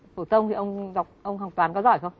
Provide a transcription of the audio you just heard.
phổ thông thì ông đọc ông học toán có giỏi không